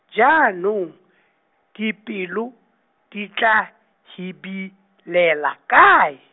jaanong, dipelo, di tla, hibilela, kae?